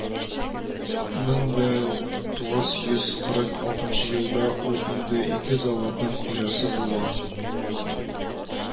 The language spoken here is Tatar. Мең дә тугыз йөз кырык алтынчы елда ул инде ике заводның хуҗасы була